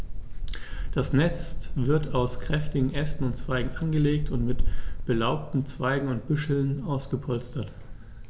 Das Nest wird aus kräftigen Ästen und Zweigen angelegt und mit belaubten Zweigen und Büscheln ausgepolstert.